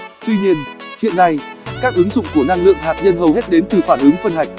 tuy nhiên hiện nay các ứng dụng của năng lượng hạt nhân hầu hết đến từ phản ứng phân hạch